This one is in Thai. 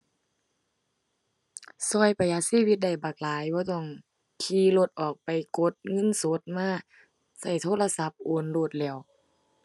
ช่วยประหยัดชีวิตได้บักหลาย บ่ต้องขี่รถออกไปกดเงินสดมา ช่วยโทรศัพท์โอนโลดแหล้ว